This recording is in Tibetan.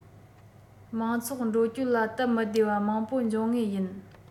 མང ཚོགས འགྲོ སྐྱོད ལ སྟབས མི བདེ བ མང པོ འབྱུང ངེས ཡིན